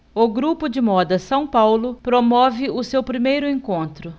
o grupo de moda são paulo promove o seu primeiro encontro